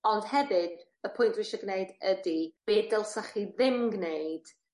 ond hefyd y pwynt dwi isie gneud ydi be' dylsa chi ddim gneud